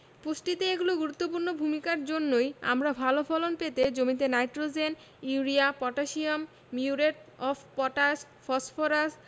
পুষ্টিতে এগুলোর গুরুত্বপূর্ণ ভূমিকার জন্যই আমরা ভালো ফলন পেতে জমিতে nitrogen urea potassium muriate of potash phosphorus